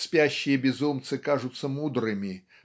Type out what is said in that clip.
спящие безумцы кажутся мудрыми